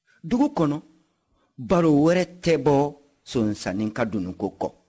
dugu kɔnɔ baro wɛrɛ tɛ ka bɔ sonsannin ka dunun ko kɔ